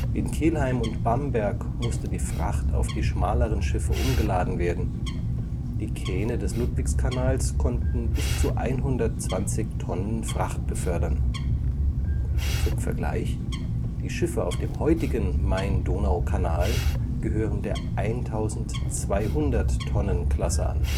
In Kelheim und Bamberg musste die Fracht auf die schmaleren Schiffe umgeladen werden. Die Kähne des Ludwigskanals konnten bis zu 120 Tonnen Fracht befördern. Zum Vergleich: Die Schiffe auf dem heutigen Main-Donau-Kanal gehören der 1200-Tonnen-Klasse an